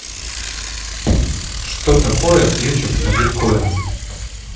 что такое фьючерс на биткоин